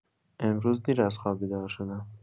امروز دیر از خواب بیدار شدم.